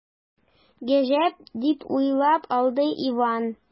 “гаҗәп”, дип уйлап алды иван.